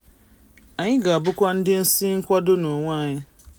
Anyị ga-abụkwa ndị isi nkwado n'onwe anyị.